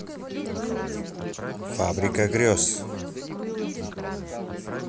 фабрика грез